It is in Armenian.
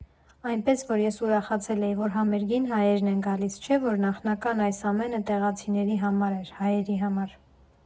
Այնպես որ ես ուրախացել էի, որ համերգին հայերն են գալիս, չէ որ նախնական այս ամենը տեղացիների համար էր, հայերի համար։